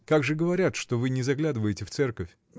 Как же говорят, что вы не заглядываете в церковь?